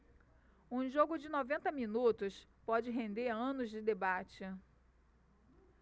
um jogo de noventa minutos pode render anos de debate